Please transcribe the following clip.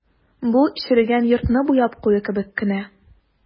Бу черегән йортны буяп кую кебек кенә.